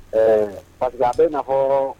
Ɛɛ paseke a bɛ na hɔ